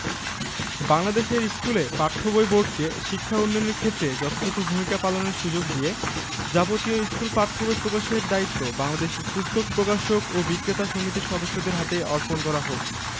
খ অন্যান্য উন্নয়নশীল দেশের মত পুস্তক প্রকাশনা ও শিক্ষার্থীদের ব্যবহৃত কাগজে ভর্তুকি প্রদানের ব্যবস্থা গ্রহণ করা হোক গ